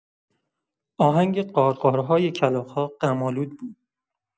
آهنگ غارغارهای کلاغ‌ها غم‌آلود بود.